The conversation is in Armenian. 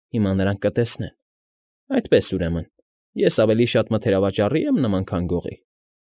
Հիմա նրանք կտեսնեն… Այդպես, ուրեմն. ես ավելի շատ մթերավաճառի՞ եմ նման, քան գողի։